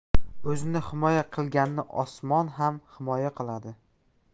o'zini himoya qilganni osmon ham himoya qiladi